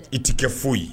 I ti kɛ foyi ye